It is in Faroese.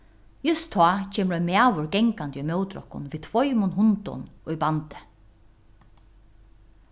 júst tá kemur ein maður gangandi ímóti okkum við tveimum hundum í bandi